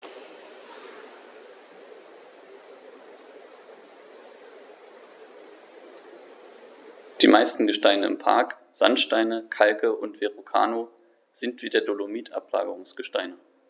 Die meisten Gesteine im Park – Sandsteine, Kalke und Verrucano – sind wie der Dolomit Ablagerungsgesteine.